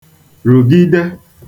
rùgide